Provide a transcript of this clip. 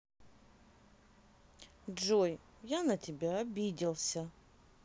джой я на тебя обиделся